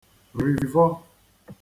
rivọ